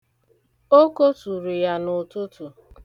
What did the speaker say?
O kuturu ya n'ụtụtụ.